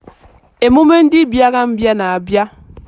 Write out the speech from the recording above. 1. Emume ndị mbịarambịa na-abịa.